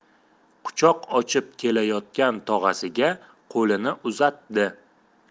quchoq ochib kelayotgan tog'asiga qo'lini uzatdi